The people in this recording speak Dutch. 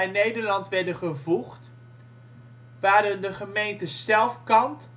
Nederland werden gevoegd waren de gemeente Selfkant